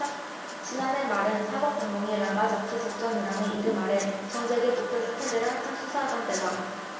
지난해 말은 사법 당국이 라바 자투 작전이라는 이름 아래 정 재계 부패 스캔들을 한창 수사하던 때다